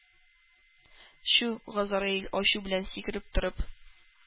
Чү, газраил, ачу белән сикереп торып,